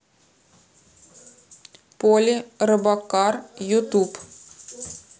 поли робокар ютуб